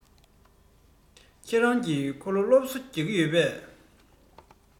ཁྱེད རང གིས ཁོ ལ སློབ གསོ རྒྱག གི ཡོད པས